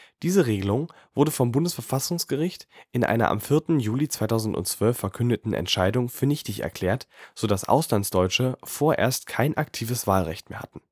Diese Regelung wurde vom Bundesverfassungsgericht in einer am 4. Juli 2012 verkündeten Entscheidung für nichtig erklärt, sodass Auslandsdeutsche vorerst kein aktives Wahlrecht mehr hatten